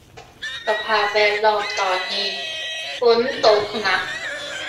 สภาพแวดล้อมตอนนี้ ฝนตกหนัก